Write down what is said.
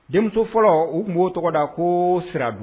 Denmuso fɔlɔ u tun b'o tɔgɔda da ko siradon